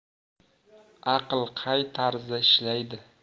aql qay tarzda ishlaydi